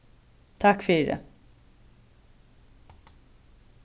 takk fyri